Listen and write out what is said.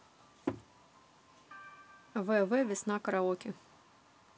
вв весна караоке